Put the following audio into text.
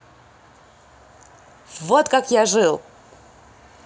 вот как я жил